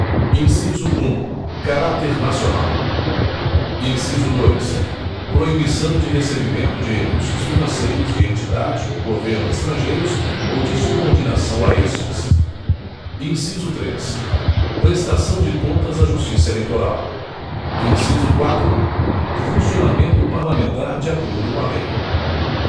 inciso um caráter nacional inciso dois proibição de recebimento de recursos financeiros de entidade ou governo estrangeiros ou de subordinação a estes inciso três prestação de contas à justiça eleitoral inciso quatro funcionamento parlamentar de acordo com a lei